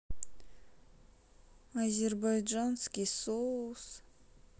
азербайджанский соус